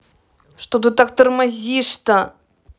что ты так тормозишь то